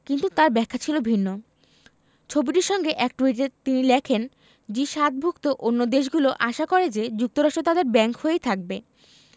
কিন্তু তাঁর ব্যাখ্যা ছিল ভিন্ন ছবিটির সঙ্গে এক টুইটে তিনি লেখেন জি ৭ ভুক্ত অন্য দেশগুলো আশা করে যে যুক্তরাষ্ট্র তাদের ব্যাংক হয়েই থাকবে